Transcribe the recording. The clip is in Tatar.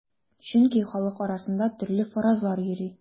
Чөнки халык арасында төрле фаразлар йөри.